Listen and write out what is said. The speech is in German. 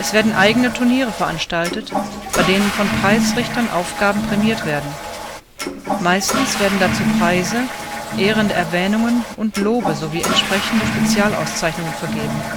werden eigene Turniere veranstaltet, bei denen von Preisrichtern Aufgaben prämiert werden. Meistens werden dazu Preise, ehrende Erwähnungen und Lobe sowie entsprechende Spezialauszeichnungen vergeben